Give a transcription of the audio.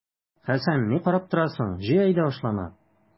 Хәсән, ни карап торасың, җый әйдә ашлама!